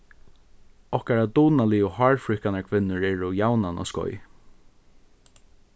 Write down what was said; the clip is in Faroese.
okkara dugnaligu hárfríðkanarkvinnur eru javnan á skeið